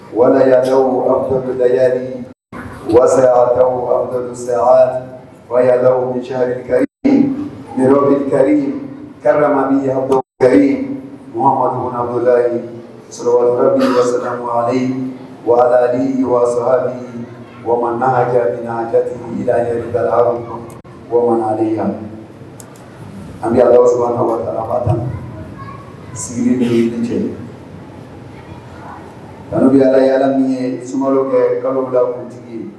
Wara an bɛlaaali wasa andasa waala cari ka yɔrɔbirika karima bɛyankabulayi suda bɛ wasa wali wasa ka ka jirayila bamanan ya an sabananmaba tan sigi bɛ ye cɛ kalobuyala ya min ye sumaworo kɛ kalowulakuntigi ye